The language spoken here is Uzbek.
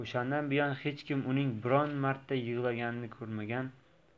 o'shandan buyon hech kim uning biron marta yig'laganini ko'rmagan